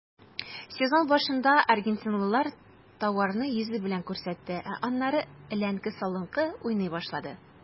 Сезон башында аргентинлылар тауарны йөзе белән күрсәтте, ә аннары эленке-салынкы уйный башлады.